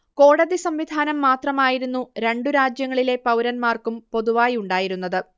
കോടതി സംവിധാനം മാത്രമായിരുന്നു രണ്ടുരാജ്യങ്ങളിലെ പൗരന്മാർക്കും പൊതുവായുണ്ടായിരുന്നത്